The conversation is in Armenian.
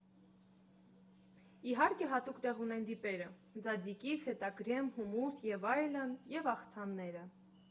Իհարկե, հատուկ տեղ ունեն դիպերը (ձաձիկի, ֆետա կրեմ, հումուս և այլն) և աղցանները։